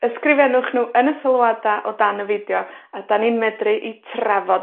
Ysgrifennwch nhw yn y sylwada o dan y fideo a 'dan ni'n medru 'u trafod